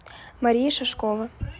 мария шашкова